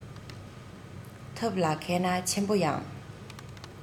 ཐབས ལ མཁས ན ཆེན པོ ཡང